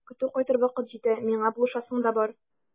Көтү кайтыр вакыт җитә, миңа булышасың да бар.